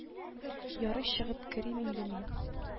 Ярый чыгып керим инде мин